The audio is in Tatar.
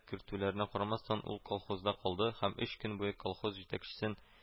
Көртүләренә карамастан, ул колхозда калды һәм өч көн буе колхоз җитәкчесен